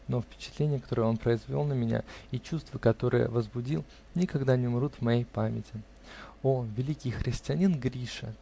но впечатление, которое он произвел на меня, и чувство, которое возбудил, никогда не умрут в моей памяти. О великий христианин Гриша!